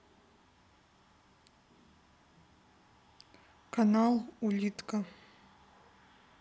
канал улитка